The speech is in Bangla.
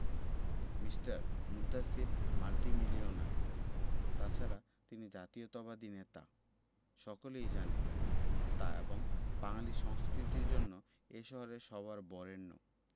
মিঃ মুনতাসীর মাল্টিমিলিওনার তাছাড়া তিনি জাতীয়তাবাদী নেতা সকলেই জানে তা এবং বাঙালী সংস্কৃতির জন্য এ শহরে সবার বরেণ্য